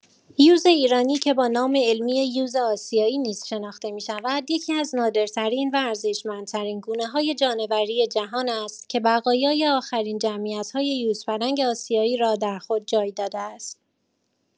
یوز ایرانی که با نام علمی «یوز آسیایی» نیز شناخته می‌شود، یکی‌از نادرترین و ارزشمندترین گونه‌های جانوری جهان است که بقایای آخرین جمعیت‌های یوزپلنگ آسیایی را در خود جای داده است.